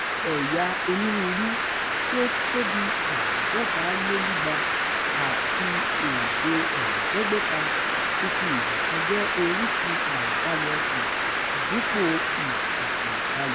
Ẹ̀yà onírúurú – tí ó tó bíi 250 àti èdè 500 – ti fi ìgbà kan jẹ́ orísun àìbalẹ̀ọkàn dípòo ìfọ̀kànbalẹ̀.